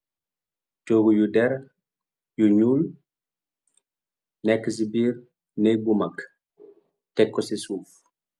Togu yu deer yu nuul neka ci biir néeg bu maag teko ci suuf.